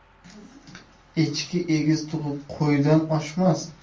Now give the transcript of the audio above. echki egiz tug'ib qo'ydan oshmas